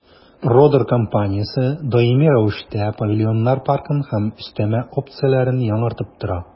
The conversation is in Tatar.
«родер» компаниясе даими рәвештә павильоннар паркын һәм өстәмә опцияләрен яңартып тора.